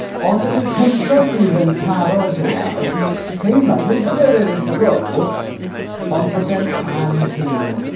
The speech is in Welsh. Ond y peth cynta sydd yn taro Eseia ydy teimlad, nid bod e rearing to go, ond bod e'n anheilwng.